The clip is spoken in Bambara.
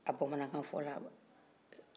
a bamanankan fɔla